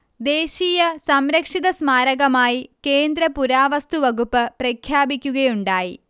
ദേശീയ സംരക്ഷിതസ്മാരകമായി കേന്ദ്ര പുരാവസ്തുവകുപ്പ് പ്രഖ്യാപിക്കുകയുണ്ടായി